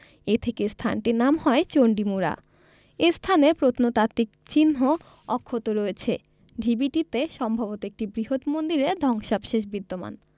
এ থেকেই স্থানটির নাম হয় চণ্ডীমুড়া এ স্থানের প্রত্নতাত্ত্বিক চিহ্ন অক্ষত রয়েছে ঢিবিটিতে সম্ভবত একটি বৃহৎ মন্দিরের ধ্বংসাবশেষ বিদ্যমান